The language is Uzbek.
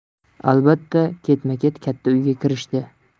albatta ketma ket katta uyga kirishdi